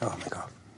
O my Go'.